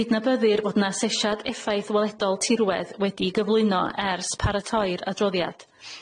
Cydnabyddir fod na asesiad effaith weledol tirwedd wedi'i gyflwyno ers paratoi'r adroddiad.